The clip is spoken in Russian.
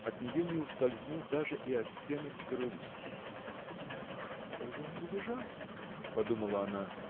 от нее не ускользнул даже и оттенок грусти. Но что ж он убежал! – подумала она.